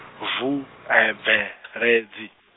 V U, E, B V E, L E D Z I.